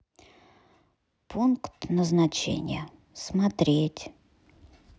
пункт назначения смотреть